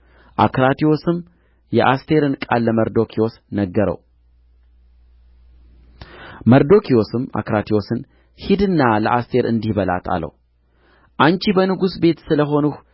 አክራትዮስም የአስቴርን ቃል ለመርዶክዮስ ነገረው መርዶክዮስም አክራትዮስን ሂድና ለአስቴር እንዲህ በላት አለው አንቺ በንጉሥ ቤት ስለ ሆንሁ